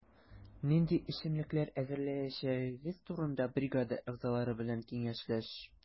Нинди эчемлекләр әзерләячәгегез турында бригада әгъзалары белән киңәшләш.